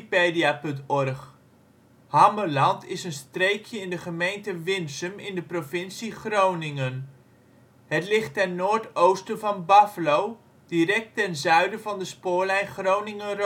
22′ NB, 6° 32′ OL Beluister (info) Hammeland is een streekje in de gemeente Winsum in de provincie Groningen. Het ligt ten noord-oosten van Baflo, direct ten zuiden van de spoorlijn Groningen